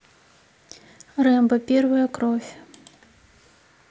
рэмбо первая кровь